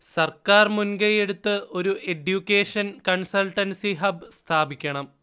സർക്കാർ മുൻകൈയെടുത്ത് ഒരു എഡ്യൂക്കേഷൻ കൺസൾട്ടൻസി ഹബ് സ്ഥാപിക്കണം